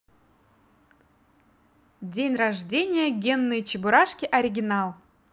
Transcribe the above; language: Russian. день рождения генные чебурашки оригинал